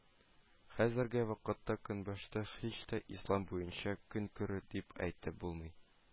Хәзерге вакытта Көнбашта һич тә ислам буенча көн күрә, дип әйтеп булмый